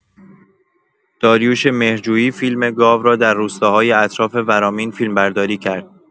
داریوش مهرجویی فیلم گاو را در روستاهای اطراف ورامین فیلمبرداری کرد.